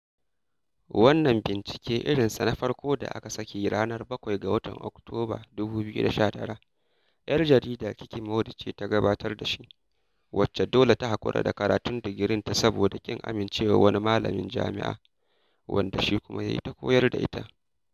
Wannan bincike irinsa na farko da aka saki a ranar 7 ga watan Oktoba 2019, 'yar jarida Kiki Mordi ce ta gabatar da shi, wacce dole ta haƙura da karatun digirinta saboda ƙin amincewa wani malamin jam'ia wanda shi kuma ya yi ta kayar da ita.